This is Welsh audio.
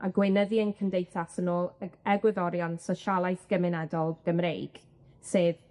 a gweinyddu ein cymdeithas yn ôl eg- egwyddorion sosialaeth gymunedol Gymreig, sef